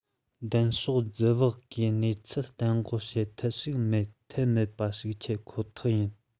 འདེམས ཤོག རྫུ བག སྒོས གནས ཚུལ གཏན འགོག བྱེད ཐབས ཤིག མེད ཐབས མེད པ ཞིག ཆེད ཁོ ཐག ཡིན